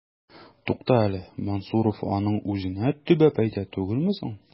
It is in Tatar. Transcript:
Тукта әле, Мансуров аның үзенә төбәп әйтә түгелме соң? ..